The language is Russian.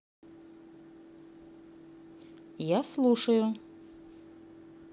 я слушаю